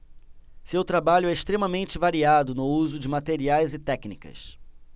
seu trabalho é extremamente variado no uso de materiais e técnicas